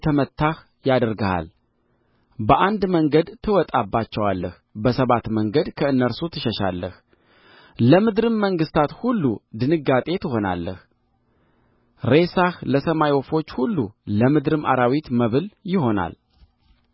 የተመታህ ያደርግሃል በአንድ መንገድ ትወጣባቸዋለህ በሰባት መንገድ ከእነርሱ ትሸሻለህ ለምድርም መንግሥታት ሁሉ ድንጋጤ ትሆናለህ ሬሳህ ለሰማይ ወፎች ሁሉ ለምድርም አራዊት መብል ይሆናል